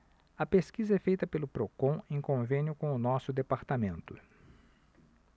a pesquisa é feita pelo procon em convênio com o diese